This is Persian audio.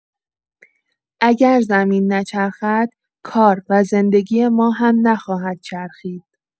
اگر زمین نچرخد، کار و زندگی ما هم نخواهد چرخید.